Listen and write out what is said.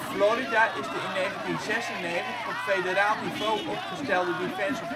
Florida is de in 1996 op federaal niveau opgestelde Defense